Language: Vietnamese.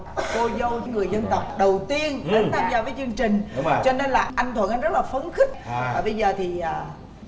cô dâu người dân tộc đầu tiên đến tham gia với chương trình cho nên là anh thuận anh rất là phấn khích và bây giờ thì